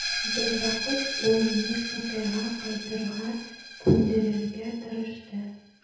Бер вакыт ул мине Кытайга кайтырга күндерергә тырышты.